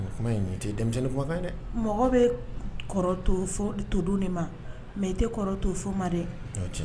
Dɛ mɔgɔ bɛ kɔrɔ to to don de ma mɛ i tɛ kɔrɔ to fɔ ma dɛ